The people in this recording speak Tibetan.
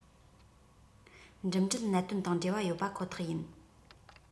འགྲིམ འགྲུལ གནད དོན དང འབྲེལ བ ཡོད པ ཁོ ཐག ཡིན